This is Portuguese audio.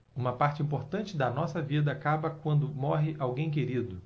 uma parte importante da nossa vida acaba quando morre alguém querido